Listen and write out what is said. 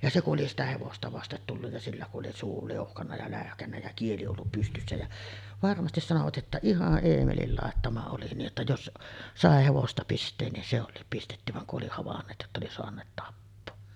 ja se kun oli sitä hevosta vasten tullut ja sillä kun oli suu liuhkannut ja läyhkännyt ja kieli ollut pystyssä ja varmasti sanoivat että ihan Eemelin laittama oli niin että jos sai hevosta pistää niin se olikin pistetty vaan kun oli havainneet jotta oli saaneet tappaa